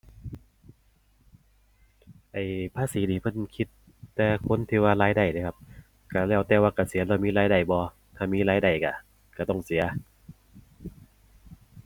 ไอ้ ภาษีนี่เพิ่นคิดแต่คนที่ว่ารายได้เดะครับ ก็แล้วแต่ว่าเกษียณแล้วมีรายได้บ่ ถ้ามีรายได้ก็ ก็ต้องเสีย